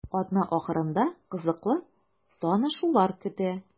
Атна ахырында кызыклы танышулар көтә.